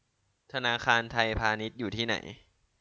ธนาคารไทยพาณิชย์อยู่ที่ไหน